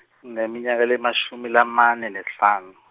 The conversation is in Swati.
ngineminyaka lengemashumi lamane nesihlanu.